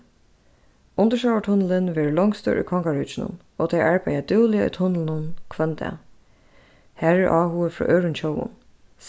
undirsjóvartunnilin verður longstur í kongaríkinum og tey arbeiða dúgliga í tunlinum hvønn dag har er áhugi frá øðrum tjóðum